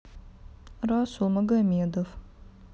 расул магомедов